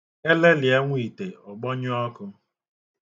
E lelie nwa ite, ọ gbọnyụọ ọkụ.